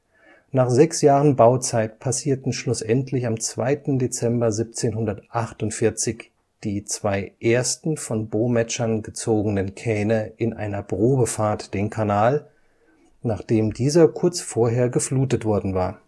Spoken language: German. Nach sechs Jahren Bauzeit passierten schlussendlich am 2. Dezember 1748 die zwei ersten von Bomätschern gezogenen Kähne in einer Probefahrt den Kanal, nachdem dieser kurz vorher geflutet worden war